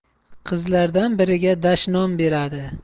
qizlardan biriga dashnom beradi